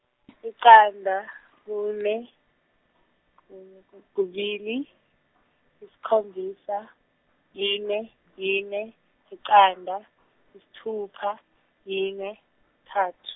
iqanda kune kune ku- kubili yisikhombisa yine- yine- yiqanda yisithupa yine- thath-.